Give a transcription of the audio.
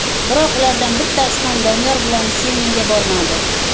biroq ulardan bittasi ham doniyor bilan senmenga bormadi